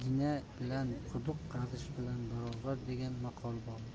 quduq qazish bilan barobar degan maqol bor